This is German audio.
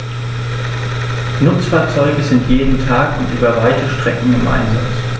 Nutzfahrzeuge sind jeden Tag und über weite Strecken im Einsatz.